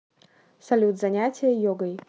салют занятия йогой